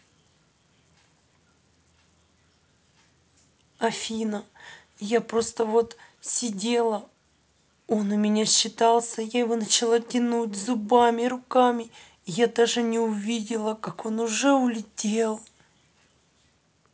афина я просто вот сидела он у меня считался я его начала тянуть зубами руками и я даже не увидела как он уже улетел